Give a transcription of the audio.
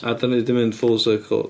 A ydan i 'di mynd full circle.